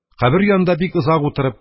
Кабер янында бик озак утырып,